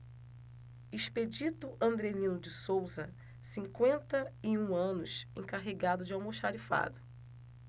expedito andrelino de souza cinquenta e um anos encarregado de almoxarifado